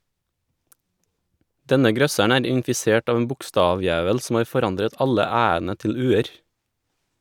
Denne grøsseren er infisert av en bokstavdjevel som har forandret alle "æ"-ene til "u"-er.